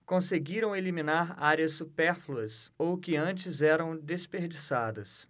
conseguiram eliminar áreas supérfluas ou que antes eram desperdiçadas